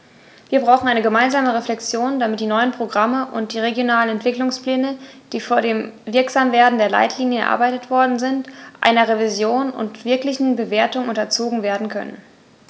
Wir brauchen eine gemeinsame Reflexion, damit die neuen Programme und die regionalen Entwicklungspläne, die vor dem Wirksamwerden der Leitlinien erarbeitet worden sind, einer Revision und wirklichen Bewertung unterzogen werden können.